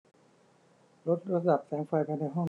ลดระดับแสงไฟภายในห้อง